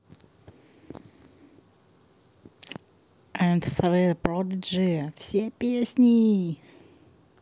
and three prodigy все песни